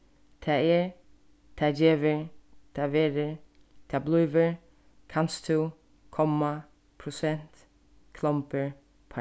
tað er tað gevur tað verður tað blívur kanst tú komma prosent klombur